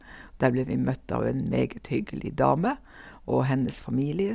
Der ble vi møtt av en meget hyggelig dame og hennes familie.